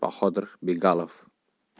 raisi bahodir begalov